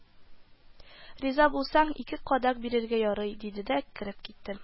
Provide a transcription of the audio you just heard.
Риза булсаң, ике кадак бирергә ярый, – диде дә кереп китте